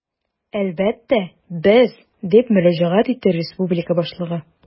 Әлбәттә, без, - дип мөрәҗәгать итте республика башлыгы.